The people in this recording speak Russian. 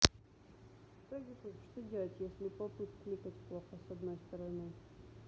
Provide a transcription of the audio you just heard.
что youtube что делать если pop it кликать плохо с одной стороны